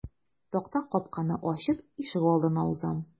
Такта капканы ачып ишегалдына узам.